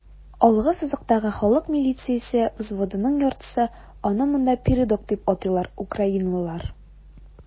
Алгы сызыктагы халык милициясе взводының яртысы (аны монда "передок" дип атыйлар) - украиналылар.